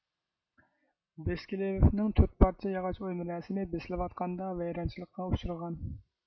بىسكىلىۋىفنىڭ تۆت پارچە ياغاچ ئويما رەسىمى بېسىلىۋاتقاندا ۋەيرانچىلىققا ئۇچرىغان